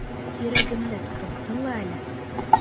Йөрәгемне тотып тыңла әле.